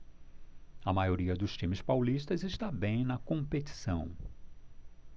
a maioria dos times paulistas está bem na competição